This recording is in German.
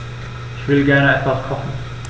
Ich will gerne etwas kochen.